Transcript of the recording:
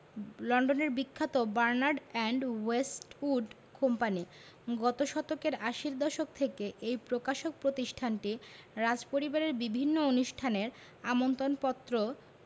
লন্ডনের বিখ্যাত Barnard and Westwood company গত শতকের আশির দশক থেকে এই প্রকাশক প্রতিষ্ঠানটি রাজপরিবারের বিভিন্ন অনুষ্ঠানের আমন্ত্রণপত্র